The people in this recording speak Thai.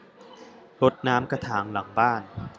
รดน้ำกระถางหลังบ้าน